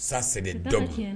Sa selen dɔn